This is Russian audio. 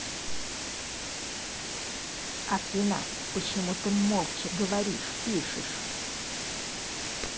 афина почему ты молча говоришь пишешь